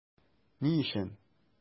Ни өчен?